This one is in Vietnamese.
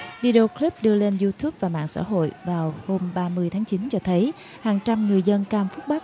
vi đi ô cờ líp đưa lên iu tút và mạng xã hội vào hôm ba mươi tháng chín cho thấy hàng trăm người dân cam phúc bắc